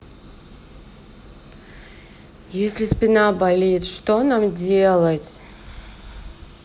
если спина болит что нам делать